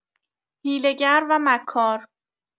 حیله‌گر و مکار